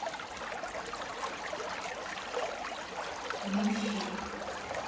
ямщик